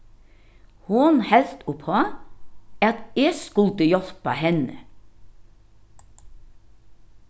hon helt uppá at eg skuldi hjálpa henni